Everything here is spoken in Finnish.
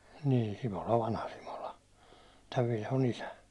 niin Simola vanha Simola tämän Vilhon isä